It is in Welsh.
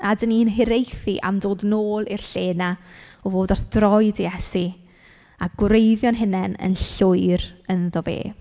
A dan ni'n hiraethu am dod nôl i'r lle 'na o ddod at droed Iesu a gwreiddio'n hunain yn llwyr ynddo fe.